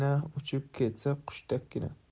uchib ketsa qushdakkina